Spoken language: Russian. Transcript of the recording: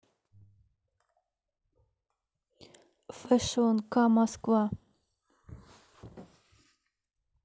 fashion ка москва